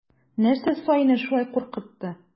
Нәрсә саине шулай куркытты?